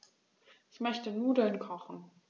Ich möchte Nudeln kochen.